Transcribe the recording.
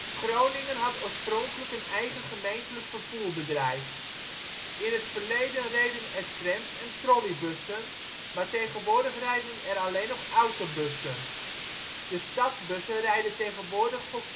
Groningen had oorspronkelijk een eigen Gemeentelijk Vervoerbedrijf. In het verleden reden er trams en trolleybussen, maar tegenwoordig rijden er alleen nog autobussen. De stadsbussen rijden tegenwoordig voor Qbuzz